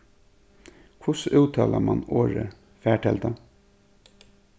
hvussu úttalar mann orðið fartelda